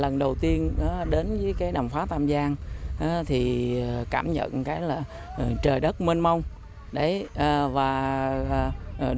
lần đầu tiên á đến dưới cái đầm phá tam giang á thì cảm nhận cái là trời đất mênh mông đấy à và